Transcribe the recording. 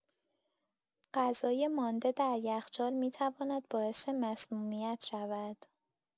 غذای مانده در یخچال می‌تواند باعث مسمومیت شود.